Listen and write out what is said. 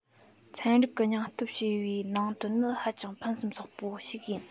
ཚན རིག གི སྙིང སྟོབས ཞེས པའི ནང དོན ནི ཧ ཅང ཕུན སུམ ཚོགས པོ ཞིག ཡིན